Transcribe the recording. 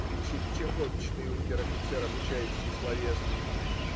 - кричит чахоточный унтер-офицер, обучающий словесности.